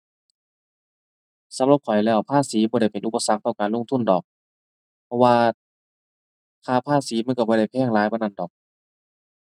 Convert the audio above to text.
สำหรับข้อยแล้ว ภาษีบ่ได้เป็นอุปสรรคต่อการลงทุนดอก เพราะว่าค่าภาษีมันก็บ่ได้แพงหลายปานนั้นดอก